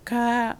Ka